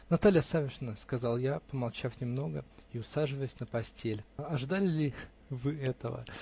-- Наталья Савишна, -- сказал я, помолчав немного и усаживаясь на постель, -- ожидали ли вы этого?